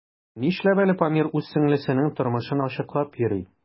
Нишләп әле Памир үз сеңлесенең тормышын ачыклап йөри?